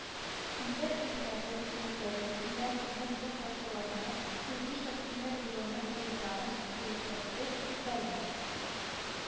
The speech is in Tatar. Сембер өлкәсе территориясендә тимер юл ташуларны Куйбышев тимер юлының Ульяновск бүлекчәсе үтәлә